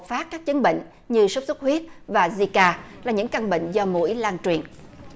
phát các chứng bệnh như sốt xuất huyết và zi ka là những căn bệnh do muỗi lan truyền